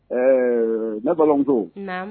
Ɛɛ ne balimamuso, naamu